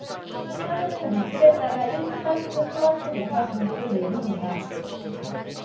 한우는 육질에 따라 일 플러스 플러스부터 등급을 매깁니다